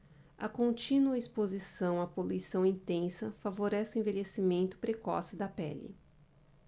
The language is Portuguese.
a contínua exposição à poluição intensa favorece o envelhecimento precoce da pele